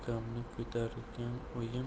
ukamni ko'targan oyim